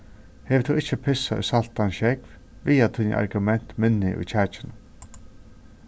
hevur tú ikki pissað í saltan sjógv viga tíni argument minni í kjakinum